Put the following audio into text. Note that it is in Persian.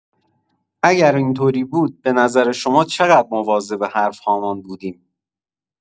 اگر اینطوری بود به نظر شما چقدر مواظب حرف‌هامون بودیم.